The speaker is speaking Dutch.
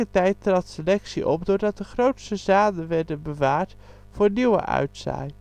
tijd trad selectie op doordat de grootste zaden werden bewaard voor nieuwe uitzaai